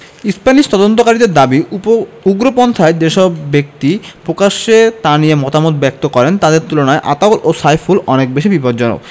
Spanish তদন্তকারীদের দাবি উপ উগ্রপন্থায় যেসব ব্যক্তি প্রকাশ্যে তা নিয়ে মতামত ব্যক্ত করেন তাদের তুলনায় আতাউল ও সাইফুল অনেক বেশি বিপজ্জনক